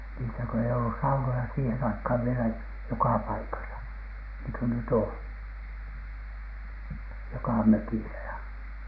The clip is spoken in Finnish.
niissä kun ei ollut saunoja siihen aikaan vielä joka paikassa niin kuin nyt on joka mökissä ja